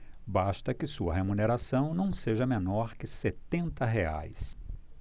basta que sua remuneração não seja menor que setenta reais